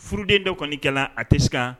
Furuden dɔ kɔni kɛ la a tɛ se ka